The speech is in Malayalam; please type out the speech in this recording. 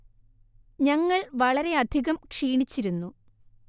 ഞങ്ങൾ വളരെയധികം ക്ഷീണിച്ചിരുന്നു